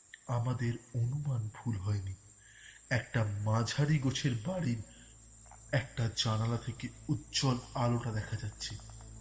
আমাদের অনুমান ভুল হয়নি একটা মাঝারি গোছের বাড়ি একটা জানালা থেকে উজ্জ্বল আলো টা দেখা যাচ্ছে